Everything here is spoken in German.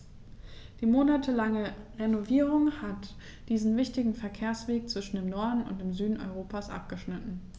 Die monatelange Renovierung hat diesen wichtigen Verkehrsweg zwischen dem Norden und dem Süden Europas abgeschnitten.